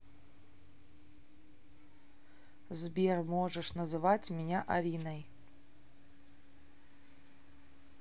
сбер можешь называть меня ариной